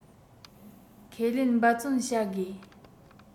ཁས ལེན འབད བརྩོན བྱ དགོས